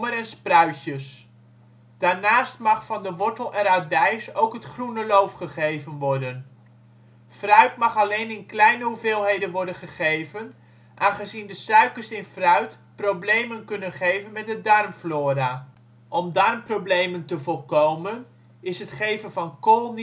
en spruitjes. Daarnaast mag van de wortel en radijs ook het groene loof gegeven worden. Fruit mag alleen in hele kleine hoeveelheden worden gegeven aangezien de suikers in fruit problemen kunnen geven met de darmflora. Om darmproblemen te voorkomen is het geven van kool